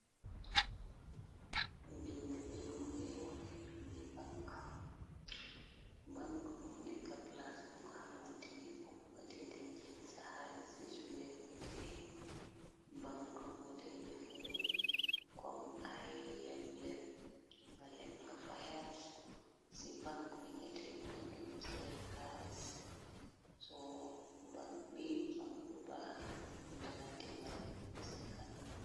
Binn bi mu ngee wone ni bank bank moo neka plaas bu nga xamantine xof nga dee dem jeli sa xaalis bi su weer bi teexe bank mo de joxe kom ay leb leb nga leb nga fayaat ci bank bi nga deemuna diñce xaalis so bi bankul baax la yu nala dimbale ci kanamu.